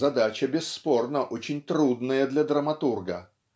Задача, бесспорно, - очень трудная для драматурга.